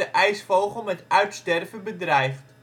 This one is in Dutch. ijsvogel met uitsterven bedreigd